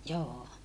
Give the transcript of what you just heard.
joo